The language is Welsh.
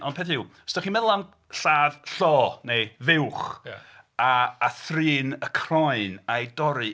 Ond peth yw, os dach chi'n meddwl am lladd llo neu fuwch a a thrin y croen a'i dorri...